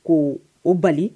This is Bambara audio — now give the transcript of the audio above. Koo o bali